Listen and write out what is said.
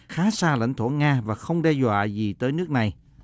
khá xa lãnh thổ nga và không đe dọa gì tới nước này